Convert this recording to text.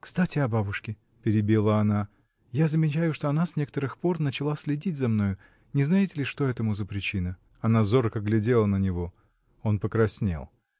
— Кстати о бабушке, — перебила она, — я замечаю, что она с некоторых пор начала следить за мною: не знаете ли, что этому за причина? Она зорко глядела на него. Он покраснел.